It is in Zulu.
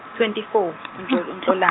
twenty four u Nhlola-.